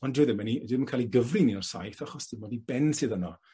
Ond dyw e ddim yn 'i ddim yn ca'l 'i gyfri'n un o'r saith achos dim ond 'i ben sydd yno.